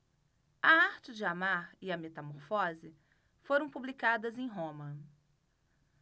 a arte de amar e a metamorfose foram publicadas em roma